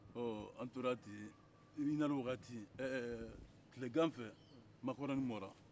an tora ten nɛgɛ kanɲɛ kelen wagati tileganfɛ makarɔni mɔna